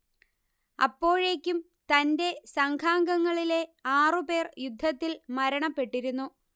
അപ്പോഴേക്കും തന്റെ സംഘാംങ്ങളിലെ ആറു പേർ യുദ്ധത്തിൽ മരണപ്പെട്ടിരുന്നു